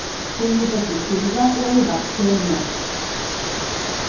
fríði gekk í skúla og hevði lært tølini